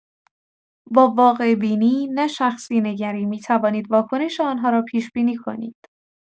با واقع‌بینی، نه شخصی‌نگری، می‌توانید واکنش آن‌ها را پیش‌بینی کنید.